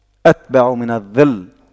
أتبع من الظل